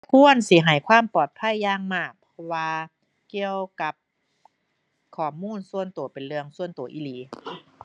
ควรสิให้ความปลอดภัยอย่างมาก เพราะว่าเกี่ยวกับข้อมูลส่วนตัวเป็นเรื่องส่วนตัวอีหลี